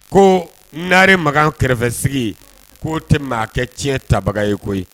Ko naare Makan kɛrɛfɛsigi k'o tɛ maa kɛ tiɲɛ tabaga ye koyi.